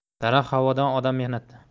daraxt havodan odam mehnatdan